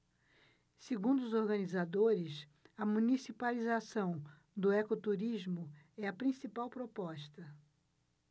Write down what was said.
segundo os organizadores a municipalização do ecoturismo é a principal proposta